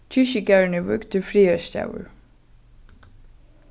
kirkjugarðurin er vígdur friðarstaður